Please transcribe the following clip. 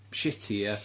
Shitty ie.